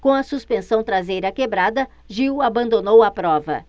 com a suspensão traseira quebrada gil abandonou a prova